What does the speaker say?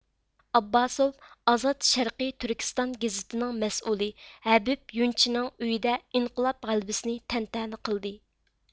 ئابباسوف ئازاد شەرقىي تۈركىستان گېزىتىنىڭ مەسئۇلى ھەبىب يۇنچنىڭ ئۆيىدە ئىنقىلاب غەلىبىسىنى تەنتەنە قىلدى